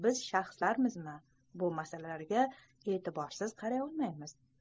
biz shaxslarmizmi bu masalalarga etiborsiz qaray olmaydi